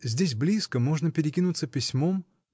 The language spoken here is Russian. Здесь близко, можно перекинуться письмом.